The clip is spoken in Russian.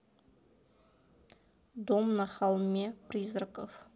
дом на холме призраков